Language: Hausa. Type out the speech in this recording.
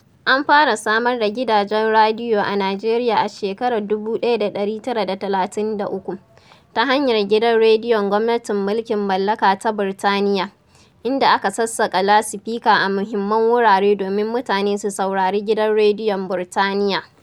An fara samar da gidajen radiyo a Nijeriya a shekarar 1933, ta hanyar Gidan rediyon Gwamnatin Mulkin Mallaka ta Burtaniya, inda aka sassaka lasifika a muhimman wurare domin mutane su saurari Gidan Rediyon Burtaniya.